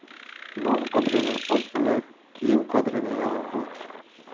non qadrini och bilar kiyim qadrini yalang'och